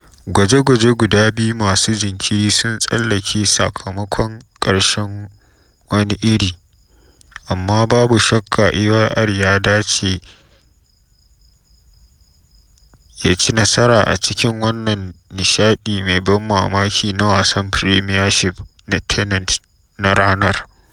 Gwaje-gwaje guda biyu masu jinkiri sun tsallake sakamakon ƙarshe wani iri, amma babu shakka Ayr ya dace ya ci nasara a cikin wannan nishaɗi mai ban mamaki na wasan Premiership na Tennent na ranar.